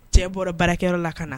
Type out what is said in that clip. Cɛ bɔra baarakɛyɔrɔ la ka na